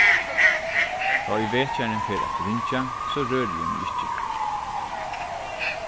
tá ið vekjarin fer at ringja so røri eg meg ikki